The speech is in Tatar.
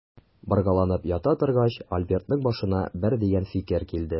Боргаланып ята торгач, Альбертның башына бер дигән фикер килде.